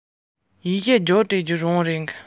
གཞལ དགོས པ ཨེ རེད